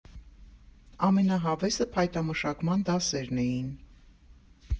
Ամենահավեսը փայտամշակման դասերն էին.